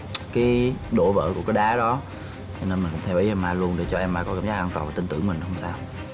cái độ vỡ của cái đá đó cho nên mình cũng theo ý em ma luôn để cho em ma có cảm và tin tưởng mình không sao